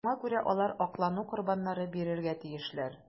Шуңа күрә алар аклану корбаннары бирергә тиешләр.